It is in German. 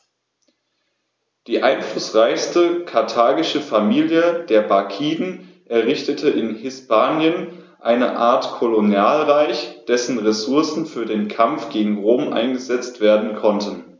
Die einflussreiche karthagische Familie der Barkiden errichtete in Hispanien eine Art Kolonialreich, dessen Ressourcen für den Kampf gegen Rom eingesetzt werden konnten.